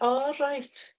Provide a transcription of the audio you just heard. O, reit.